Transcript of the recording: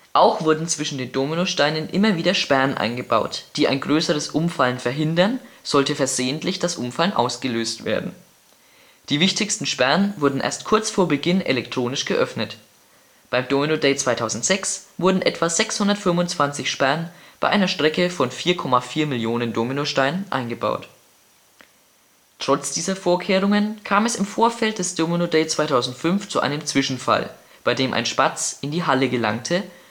Auch wurden zwischen den Dominosteinen immer wieder Sperren eingebaut, die ein größeres Umfallen verhindern, sollte versehentlich das Umfallen ausgelöst werden. Die wichtigsten Sperren wurden erst kurz vor Beginn elektronisch geöffnet. Beim Domino Day 2006 wurden etwa 625 Sperren bei einer Strecke von 4,4 Millionen Dominosteinen eingebaut. Trotz dieser Vorkehrungen kam es im Vorfeld des Domino Day 2005 zu einem Zwischenfall, bei dem ein Spatz in die Halle gelangte